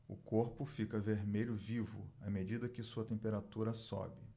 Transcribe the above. o corpo fica vermelho vivo à medida que sua temperatura sobe